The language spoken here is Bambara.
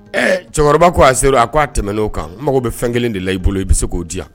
Ɛ cɛkɔrɔba ko a sera a k' a tɛmɛɛnaen oo kan mago bɛ fɛn kelen de la i bolo i bɛ se k'o diya